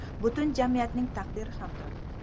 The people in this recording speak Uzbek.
butun jamiyatning taqdiri hamdir